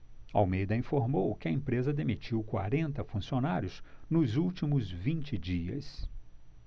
almeida informou que a empresa demitiu quarenta funcionários nos últimos vinte dias